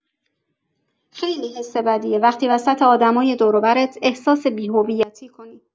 خیلی حس بدیه وقتی وسط آدمای دور و برت احساس بی‌هویتی کنی.